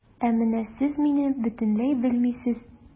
Ә менә сез мине бөтенләй белмисез.